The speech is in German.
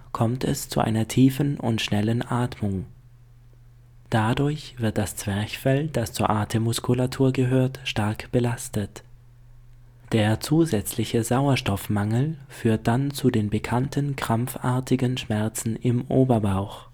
kommt es zu einer tiefen und schnellen Atmung. Dadurch wird das Zwerchfell, das zur Atemmuskulatur gehört, stark belastet. Der zusätzliche Sauerstoffmangel führt dann zu den bekannten krampfartigen Schmerzen im Oberbauch